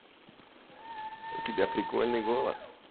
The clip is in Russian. у тебя прикольный голос